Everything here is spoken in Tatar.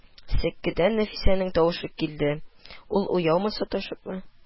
Сәкедән Нәфисәнең тавышы килде, ул уяумы, саташыпмы: